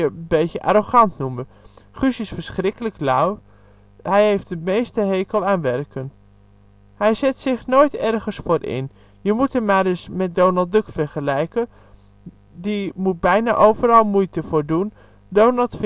beetje arrogant noemen. Guus is verschrikkelijk lui. Hij heeft de meeste hekel aan werken. Hij zet zich nooit ergens voor in. Je moet hem maar eens met Donald Duck vergelijken, die moet bijna overal moeite voor doen. Donald